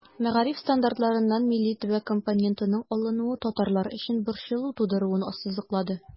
Мәгариф стандартларыннан милли-төбәк компонентының алынуы татарлар өчен борчылу тудыруын ассызыклады.